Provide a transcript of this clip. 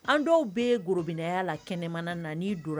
An dɔw bɛ gorobinɛya la kɛnɛmana na n'i donna